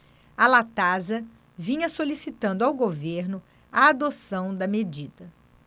a latasa vinha solicitando ao governo a adoção da medida